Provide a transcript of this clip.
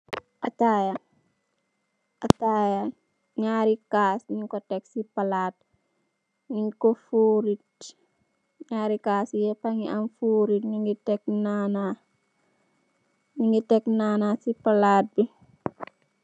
Ataya ak nyarri cass nyunko tek ci palatt bi, nyunko fourit nyari cassi yeppa gi amm foirit, nyu gi tekk nana si palate bi.